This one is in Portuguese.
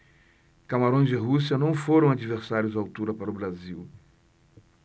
camarões e rússia não foram adversários à altura para o brasil